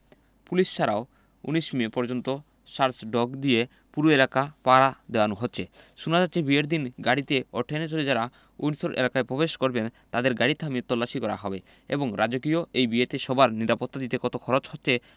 police ছাড়াও ১৯ মে পর্যন্ত সার্চ ডগ দিয়ে পুরো এলাকা পাহা দেওয়ানো হচ্ছে শোনা যাচ্ছে বিয়ের দিন গাড়িতে ও ট্রেনে চড়ে যাঁরা উডশর এলাকায় প্রবেশ করবেন তাঁদের গাড়ি থামিয়ে তল্লাশি করা হবে তবে রাজকীয় এই বিয়েতে সবার নিরাপত্তা দিতে কত খরচ হচ্ছে